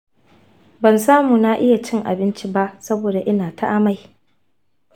ban samu na iya cin abinci ba saboda ina ta amai